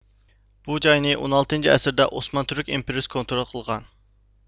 بۇ جاينى ئون ئالتىنچى ئەسىردە ئوسمان تۈرك ئىمپېرىيىسى كونترول قىلغان